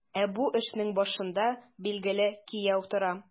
Ә бу эшнең башында, билгеле, кияү тора.